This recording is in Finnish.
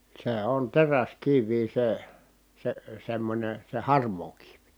se on teräskiviä se se semmoinen se harmaa kivi